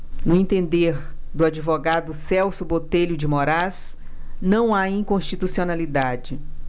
no entender do advogado celso botelho de moraes não há inconstitucionalidade